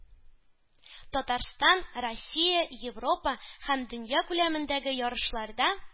Татарстан, Россия, Европа һәм дөнья күләмендәге ярышларда